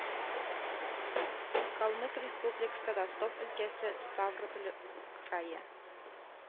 Калмык Республикасы, Ростов өлкәсе, Ставрополь крае